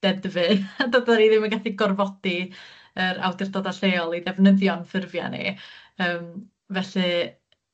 deddfi a dydan ni ddim yn gallu gorfodi yr awdurdoda' lleol i ddefnyddio'n ffurfia' ni yym felly